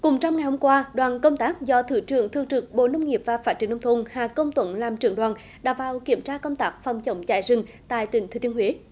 cùng trong ngày hôm qua đoàn công tác do thứ trưởng thường trực bộ nông nghiệp và phát triển nông thôn hà công tuấn làm trưởng đoàn đã vào kiểm tra công tác phòng chống cháy rừng tại tỉnh thừa thiên huế